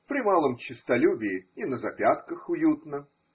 При малом честолюбии и на запятках уютно.